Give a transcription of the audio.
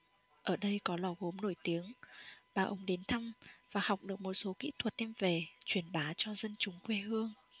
ở đây có lò gốm nổi tiếng ba ông đến thăm và học được một số kỹ thuật đem về truyền bá cho dân chúng quê hương